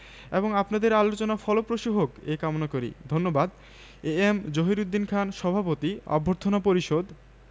০৭ চিঠি তারিখ ৩-৮-৮৪ ঢাকা ক্লিন্ট চাচা বাংলা নববর্ষের সুভেচ্ছা জানাবেন আশা করি ভালো আছেন